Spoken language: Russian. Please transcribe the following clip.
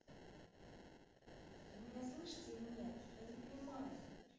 вы меня слышите или нет я не понимаю